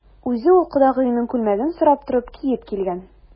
Үзе ул кодагыеның күлмәген сорап торып киеп килгән.